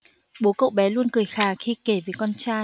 bố cậu bé luôn cười khà khi kể về con trai